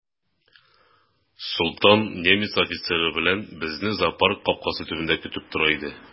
Солтан немец офицеры белән безне зоопарк капкасы төбендә көтеп тора иде.